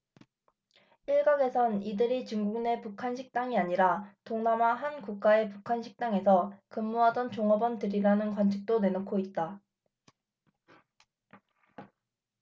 일각에선 이들이 중국내 북한 식당이 아니라 동남아 한 국가의 북한 식당에서 근무하던 종업원들이라는 관측도 내놓고 있다